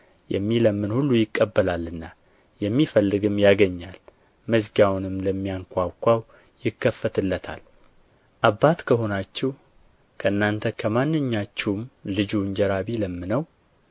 የሚለምን ሁሉ ይቀበላልና የሚፈልግም ያገኛል መዝጊያውንም ለሚያንኳኳው ይከፈትለታል አባት ከሆናችሁ ከእናንተ ከማንኛችሁም ልጁ እንጀራ ቢለምነው